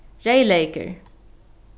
reyðleykur